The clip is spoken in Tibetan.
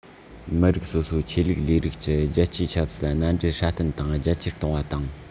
མི རིགས སོ སོའི ཆོས ལུགས ལས རིགས ཀྱི རྒྱལ གཅེས ཆབ སྲིད མནའ འབྲེལ སྲ བརྟན དང རྒྱ ཆེར བཏང བ དང